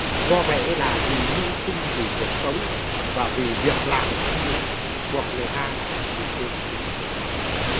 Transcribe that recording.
do vậy là vì mưu sinh vì cuộc sống và vì việc làm và thu nhập buộc người ta là phải đi tìm kiếm việc làm